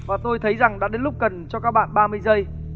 và tôi thấy rằng đã đến lúc cần cho các bạn ba mươi giây